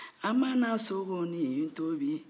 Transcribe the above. a mana sogonin tobi